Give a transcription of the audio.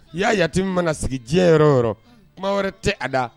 Y'a yati mana sigi diɲɛyɔrɔ yɔrɔ kuma wɛrɛ tɛ a da